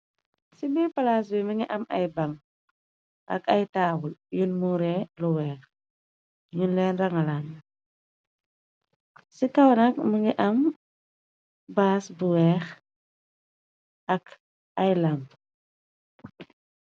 Ci biir palaas bi mi ngi am ay baŋg, ak ay taawul yoon muuree lu weex, ñun leen rangalaan, ci kawanak mu ngi am baas bu weex, ak ay làmb.